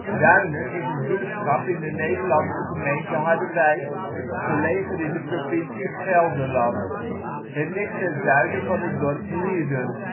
Duinen is een buurtschap in de Nederlandse gemeente Harderwijk, gelegen in de provincie Gelderland. Het ligt ten zuiden van het dorp Hierden